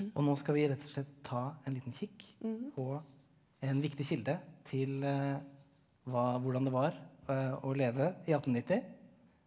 og nå skal vi rett og slett ta en liten kikk på en viktig kilde til hvordan det var å leve i attennitti.